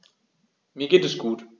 Mir geht es gut.